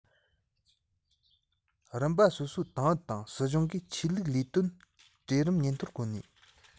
རིམ པ སོ སོའི ཏང ཨུ དང སྲིད གཞུང གིས ཆོས ལུགས ལས དོན གྲོས རིམ ཉིན ཐོར བཀོད ནས